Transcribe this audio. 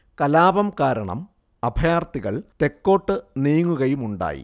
കലാപം കാരണം അഭയാർത്ഥികൾ തെക്കോട്ട് നീങ്ങുകയുമുണ്ടായി